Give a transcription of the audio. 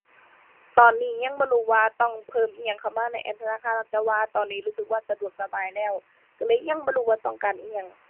ตอนนี้ยังบ่รู้ว่าต้องเพิ่มอิหยังเข้ามาในแอปธนาคารหรอก แต่ว่าตอนนี้รู้สึกว่าสะดวกสบายแล้ว ก็เลยยังบ่รู้ว่าต้องการอิหยัง